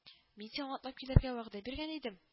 — мин сиңа атлап килергә вәгъдә биргән идем